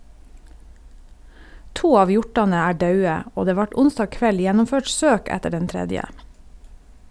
To av hjortane er daude, og det vart onsdag kveld gjennomført søk etter den tredje.